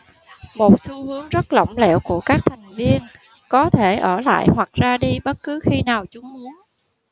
một xu hướng rất lỏng lẻo của các thành viên có thể ở lại hoặc ra đi bất cứ khi nào chúng muốn